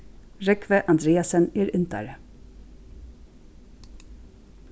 rógvi andreasen er indari